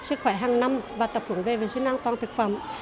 sức khỏe hằng năm và tập huấn về vệ sinh an toàn thực phẩm